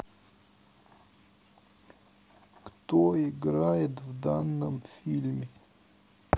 кто играет в данном фильме